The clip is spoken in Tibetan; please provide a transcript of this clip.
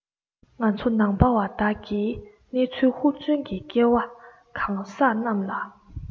ང ཚོ ནང པ བ དག གིས གནས ཚུལ ཧུར བརྩོན གྱིས སྐལ བ གང ཟག རྣམས ལ